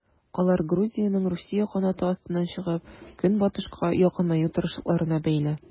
Алар Грузиянең Русия канаты астыннан чыгып, Көнбатышка якынаю тырышлыкларына бәйле.